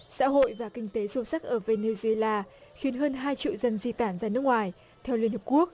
xã hội và kinh tế xuống sắc ở ve niu di la khiến hơn hai triệu dân di tản ra nước ngoài theo liên hiệp quốc